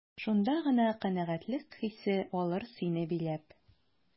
Шунда гына канәгатьлек хисе алыр сине биләп.